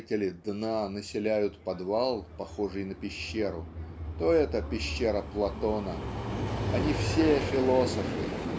жители "Дна" населяют подвал "похожий на пещеру" то это пещера Платона. Они все - философы.